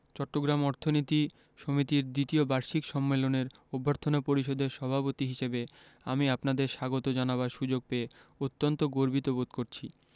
চট্টগ্রাম অর্থনীতি সমিতির দ্বিতীয় বার্ষিক সম্মেলনের অভ্যর্থনা পরিষদের সভাপতি হিসেবে আমি আপনাদের স্বাগত জানাবার সুযোগ পেয়ে অত্যন্ত গর্বিত বোধ করছি